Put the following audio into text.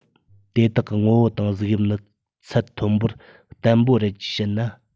དེ དག གི ངོ བོ དང གཟུགས དབྱིབས ནི ཚད མཐོན པོར བརྟན པོ རེད ཅེས བཤད ན